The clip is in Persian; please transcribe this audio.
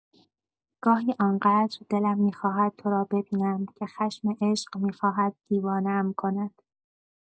گاهی آن‌قدر دلم می‌خواهد تو را ببینم که خشم عشق می‌خواهد دیوانه‌ام کند.